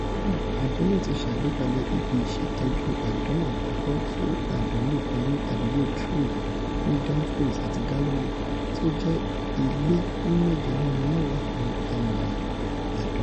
Kódà, Ajọ náà ti ṣàgbékalẹ̀ ibi ìṣètọ́jú àdán àkọ́kọ́ fún àdán nìkan ní àdúgbò Threave ní Dumfries àti Galloway, tí ó jẹ́ ilé fún mẹ́jọ nínú mẹ́wàá àwọn ẹ̀yà àdán.